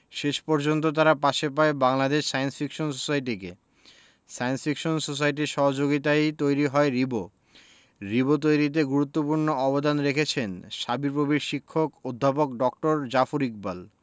শেষ পর্যন্ত তারা পাশে পায় বাংলাদেশ সায়েন্স ফিকশন সোসাইটিকে সায়েন্স ফিকশন সোসাইটির সহযোগিতায়ই তৈরি হয় রিবো রিবো তৈরিতে গুরুত্বপূর্ণ অবদান রেখেছেন শাবিপ্রবির শিক্ষক অধ্যাপক ড জাফর ইকবাল